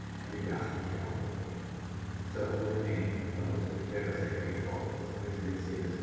eine beträchtliche Aufwertung. Zwar wurde ein von autoritärer Seite gefordertes präsidentielles